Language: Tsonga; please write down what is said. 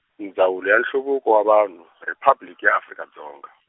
Ndzawulo ya Nhluvuko wa Vanhu Riphabliki ya Afrika Dzonga.